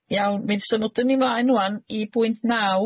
Iawn, mi symwdwn ni mlaen ŵan i bwynt naw